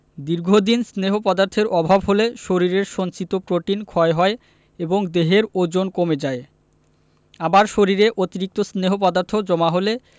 দীর্ঘদিন স্নেহ পদার্থের অভাব হলে শরীরের সঞ্চিত প্রোটিন ক্ষয় হয় এবং দেহের ওজন কমে যায় আবার শরীরে অতিরিক্ত স্নেহ পদার্থ জমা হলে